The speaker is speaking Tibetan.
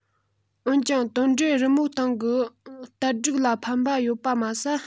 འོན ཀྱང དོན འགྲེལ རི མོའི སྟེང གི བསྟར སྒྲིག ལ ཕན པ ཡོད པ མ ཟད